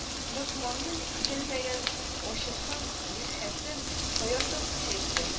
Ногманның көтелмәгән ачышын мирхәсән шаяртып көчәйтте